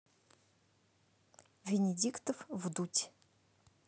венедиктов вдудь